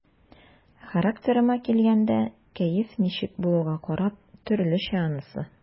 Характерыма килгәндә, кәеф ничек булуга карап, төрлечә анысы.